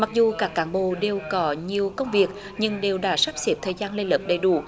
mặc dù các cán bộ đều có nhiều công việc nhưng đều đã sắp xếp thời gian lên lớp đầy đủ